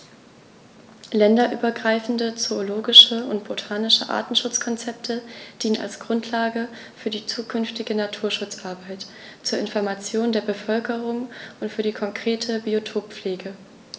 Länderübergreifende zoologische und botanische Artenschutzkonzepte dienen als Grundlage für die zukünftige Naturschutzarbeit, zur Information der Bevölkerung und für die konkrete Biotoppflege.